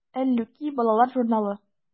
“әллүки” балалар журналы.